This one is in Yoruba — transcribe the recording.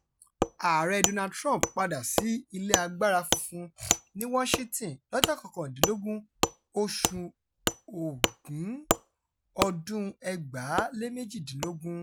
Ààrẹ Donald Trump padà sí Ilé Agbára Funfun ní Washington lọ́jọ́ 19 oṣù Ògún, ọdún-un 2018.